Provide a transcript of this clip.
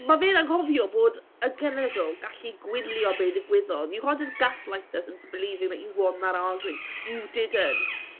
Ma' fe'n anghofio bod y genedl gallu gwylio be digwyddodd. You can't just gaslight us into believing that you won that argument. You didn't.